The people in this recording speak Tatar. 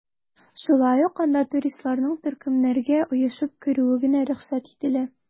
Шулай ук анда туристларның төркемнәргә оешып керүе генә рөхсәт ителә.